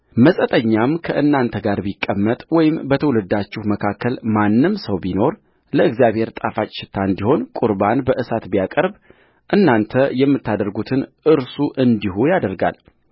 መጻተኛም ከእናንተ ጋር ቢቀመጥ ወይም በትውልዳችሁ መካከል ማንም ሰው ቢኖር ለእግዚአብሔር ጣፋጭ ሽታ እንዲሆን ቍርባን በእሳት ቢያቀርብ እናንተ የምታደርጉትን እርሱ እንዲሁ ያደርጋል